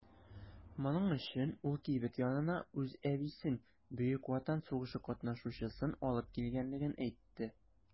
Моның өчен ул кибет янына үз әбисен - Бөек Ватан сугышы катнашучысын алып килгәнлеген әйтте.